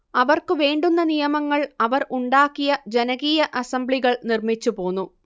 അവർക്ക് വേണ്ടുന്ന നിയമങ്ങൾ അവർ ഉണ്ടാക്കിയ ജനകീയ അസംബ്ലികൾ നിർമ്മിച്ചു പോന്നു